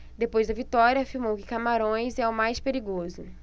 depois da vitória afirmou que camarões é o mais perigoso